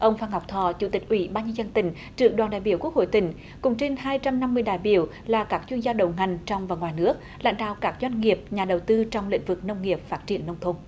ông phan ngọc thọ chủ tịch ủy ban nhân dân tỉnh trưởng đoàn đại biểu quốc hội tỉnh cùng trên hai trăm năm mươi đại biểu là các chuyên gia đầu ngành trong và ngoài nước lãnh đạo các doanh nghiệp nhà đầu tư trong lĩnh vực nông nghiệp phát triển nông thôn